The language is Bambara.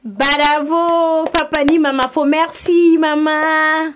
Barako pa ma ma fome f ma ma